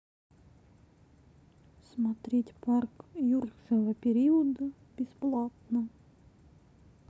смотреть парк юрского периода бесплатно